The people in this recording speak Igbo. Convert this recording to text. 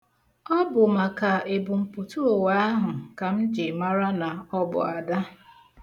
Ọ bụ maka ebumpụtụụwa ahụ ka m ji mara na ọ bụ Ada.